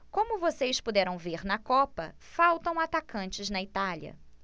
como vocês puderam ver na copa faltam atacantes na itália